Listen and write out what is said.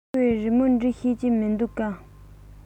ཁོས རི མོ འབྲི ཤེས ཀྱི མིན འདུག གས